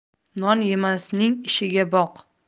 non yemasning ishiga boq